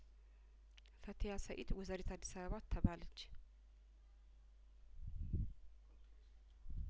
ፈቲያ ሰኢድ ወይዘሪት አዲስ አበባ ተባለች